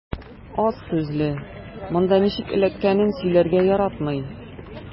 Аз сүзле, монда ничек эләккәнен сөйләргә яратмый.